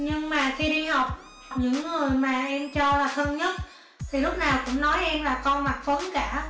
nhưng mà khi đi học những người mà em cho là thân nhất thì lúc nào cũng nói em là con mặt phấn cả